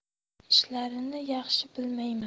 ishlarini yaxshi bilmayman